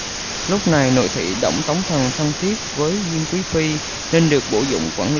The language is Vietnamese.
lúc này nội thị đổng tống thần thân thiết với diêm quý phi nên được bổ dụng quản